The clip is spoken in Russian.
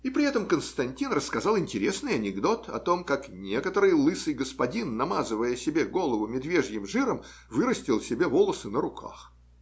И при этом Константин рассказал интересный анекдот о том, как некоторый лысый господин, намазывая себе голову медвежьим жиром, вырастил себе волосы на руках.